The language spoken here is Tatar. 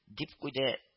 —дип куйды